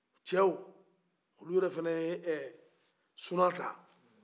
cɛw olu yɛrɛfana ye ɛ sunata